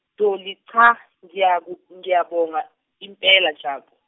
Dolly cha ngiyabo- ngiyabonga impela Jabu.